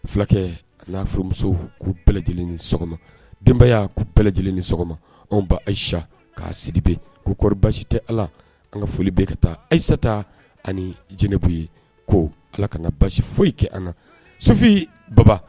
Fulakɛ an n'a furumuso k'u bɛɛ lajɛlen sɔgɔma denbaya y'a' bɛɛ lajɛlen ni sɔgɔma anw ba ayisa k'a sigi bɛ koɔri basi tɛ ala an ka foli bɛ ka taa ayisata ani jbu ye ko ala ka ka basi foyi kɛ an na sufin baba